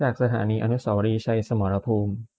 จากสถานีอนุสาวรีย์ชัยสมรภูมิ